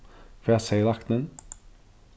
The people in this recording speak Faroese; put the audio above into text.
hvat segði læknin